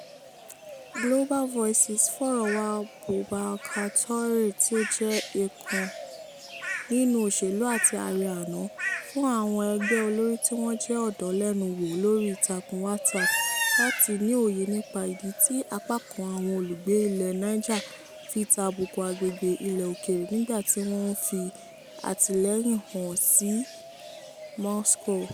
Global Voices fọ̀rọ̀wá Boubacar Touré tí ó jẹ́ èèkàn nínú òṣèlú àti ààrẹ àná fún àwọn ẹgbẹ́ olórí tí wọ́n jẹ́ ọ̀dọ́ lẹ́nu wò lórí ìtàkùn Whatsapp láti ní òye nípa ìdí tí apá kan àwọn olùgbé ilẹ̀ Niger fi tàbùkù àgbègbè ilẹ̀ òkèèrè nígbà tí wọ́n ń fi àtìlẹ́yìn hàn sí Moscow.